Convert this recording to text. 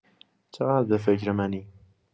چقدر به فکر منی؟